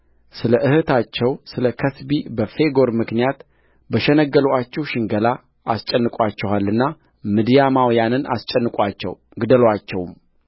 ስለ እኅታቸው ስለ ከስቢ በፌጎር ምክንያት በሸነገሉአችሁ ሽንገላ አስጨንቀዋችኋልና ምድያማውያንን አስጨንቁአቸው ግደሉአቸውም